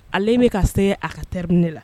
Ale bɛ ka se a ka teriri ne la